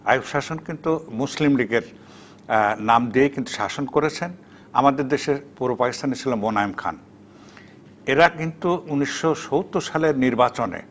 আইয়ুব শাসন কিন্তু মুসলিম লীগের নাম দিয়ে কিন্তু শাসন করেছে আমাদের দেশে পূর্ব পাকিস্তানে ছিল মোনায়েম খান এরা কিন্তু ১৯৭০ সালের নির্বাচনে